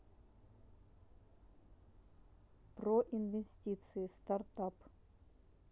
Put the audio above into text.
про инвестиции стартап